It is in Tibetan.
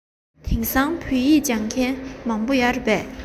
དེང སང བོད ཡིག སྦྱོང མཁན མང པོ ཡོད རེད པས